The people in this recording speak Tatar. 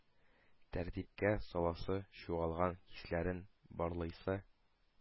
Тәртипкә саласы, чуалган хисләрен барлыйсы,